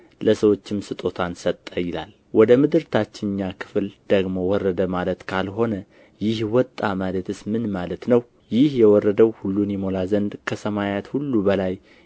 ለሰዎችም ስጦታን ሰጠ ይላል ወደ ምድር ታችኛ ክፍል ደግሞ ወረደ ማለት ካልሆነ ይህ ወጣ ማለትስ ምን ማለት ነው ይህ የወረደው ሁሉን ይሞላ ዘንድ ከሰማያት ሁሉ በላይ